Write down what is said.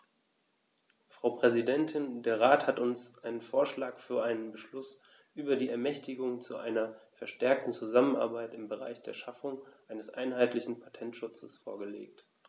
Frau Präsidentin, der Rat hat uns einen Vorschlag für einen Beschluss über die Ermächtigung zu einer verstärkten Zusammenarbeit im Bereich der Schaffung eines einheitlichen Patentschutzes vorgelegt.